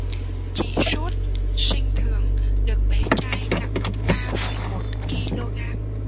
chị suốt sinh thường được bé trai nặng ba phẩy một ki lô gam